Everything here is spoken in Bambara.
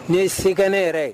Ne ye senkɛnɛ ne yɛrɛ